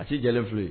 A tɛ jɛfi ye